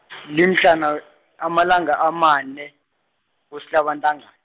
limhlana, amalanga amane, kusihlaba ntangan-.